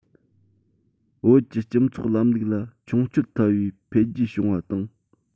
བོད ཀྱི སྤྱི ཚོགས ལམ ལུགས ལ མཆོང སྐྱོད ལྟ བུའི འཕེལ རྒྱས བྱུང བ དང